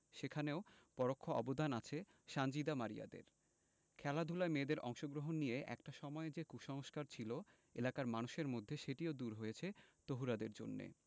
সেখানেও পরোক্ষ অবদান আছে সানজিদা মারিয়াদের খেলাধুলায় মেয়েদের অংশগ্রহণ নিয়ে একটা সময় যে কুসংস্কার ছিল এলাকার মানুষের মধ্যে সেটিও দূর হয়েছে তহুরাদের জন্যে